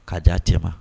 K kaa diya tema